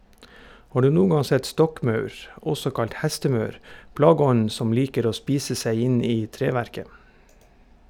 Har du noen gang sett stokkmaur , også kalt hestemaur, plageånden som liker å spise seg inn i treverket?